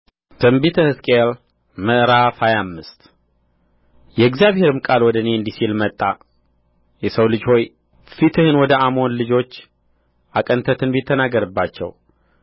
ትንቢተ ሕዝቅኤል ምዕራፍ ሃያ አምስት የእግዚአብሔርም ቃል ወደ እኔ እንዲህ ሲል መጣ የሰው ልጅ ሆይ ፊትህን ወደ አሞን ልጆች አቅንተህ ትንቢት ተናገርባቸው